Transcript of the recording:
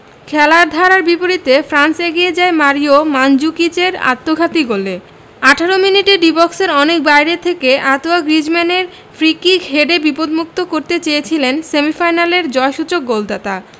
খেলার ধারার বিপরীতে ফ্রান্স এগিয়ে যায় মারিও মানজুকিচের আত্মঘাতী গোলে ১৮ মিনিটে ডি বক্সের অনেক বাইরে থেকে আঁতোয়া গ্রিজমানের ফ্রিকিক হেডে বিপদমুক্ত করতে চেয়েছিলেন সেমিফাইনালের জয়সূচক গোলদাতা